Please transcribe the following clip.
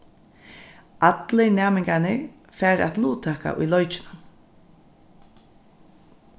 allir næmingarnir fara at luttaka í leikinum